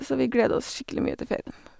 Så vi gleder oss skikkelig mye til ferien.